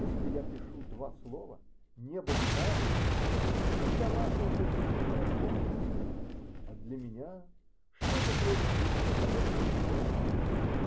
Если я пишу два слова: "небо Италии", то для вас это -- избитая формула, а для меня -- что-то вроде имени далекой любовницы.